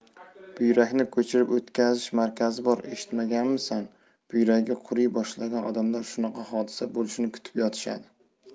buyrakni ko'chirib o'tkazish markazi bor eshitmaganmisan buyragi quriy boshlagan odamlar shunaqa hodisa bo'lishini kutib yotishadi